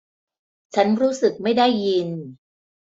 ฉันรู้สึกไม่ได้ยิน